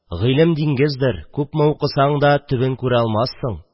Гыйлем – диңгездер, күпме укысаң да төбен күрә алмассың.